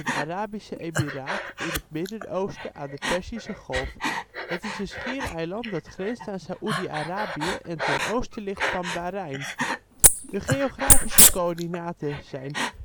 Arabisch emiraat in het Midden Oosten, aan de Perzische Golf. Het is een schiereiland dat grenst aan Saoedi-Arabië en ten oosten ligt van Bahrein. De geografische coördinaten zijn